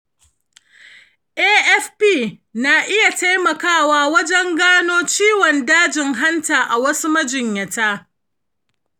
afp na iya taimakawa wajen gano ciwon dajin hanta a wasu majinyata.